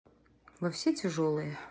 во все тяжелые